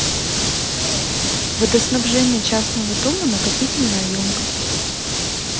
водоснабжение частного дома накопительная емкость